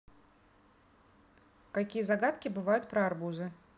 какие загадки бывают про арбузы